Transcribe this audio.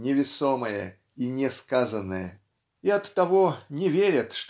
невесомое и несказанное и оттого не верят